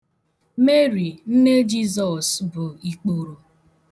Mari nne Jizọs bụ ikporo.